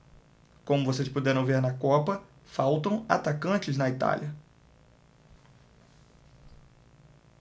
como vocês puderam ver na copa faltam atacantes na itália